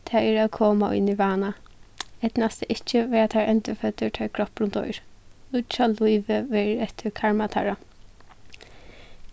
tað er at koma í nirvana eydnast tað ikki verða teir endurføddir tá ið kroppurin doyr nýggja lívið verður eftir karma teirra